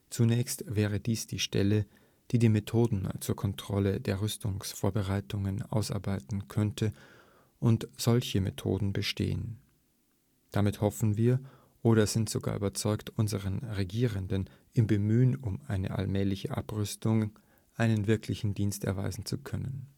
zunächst wäre dies die Stelle, die die Methoden zur Kontrolle der Rüstungsvorbereitungen ausarbeiten könnte, und solche Methoden bestehen. Damit hoffen wir, oder sind sogar überzeugt, unseren Regierungen im Bemühen um eine allmähliche Abrüstung einen wirklichen Dienst erweisen zu können